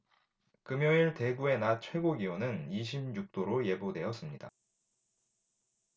금요일 대구의 낮 최고기온은 이십 육 로 예보됐습니다